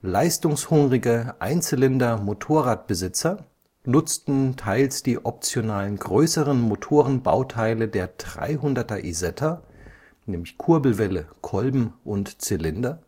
Leistungshungrige Einzylinder-Motorrad-Besitzer nutzten teils die optionalen größeren Motorenbauteile der 300er Isetta (Kurbelwelle, Kolben und Zylinder),